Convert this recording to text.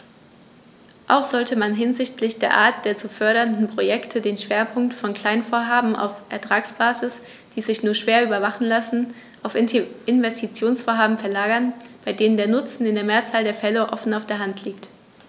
Auch sollte man hinsichtlich der Art der zu fördernden Projekte den Schwerpunkt von Kleinvorhaben auf Ertragsbasis, die sich nur schwer überwachen lassen, auf Investitionsvorhaben verlagern, bei denen der Nutzen in der Mehrzahl der Fälle offen auf der Hand liegt.